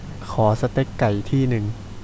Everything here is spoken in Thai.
ขอสเต็กไก่ที่นึง